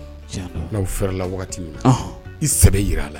Tiɲɛna n'aw fɛrɛla wagati min anhan i sɛbɛ yir'a la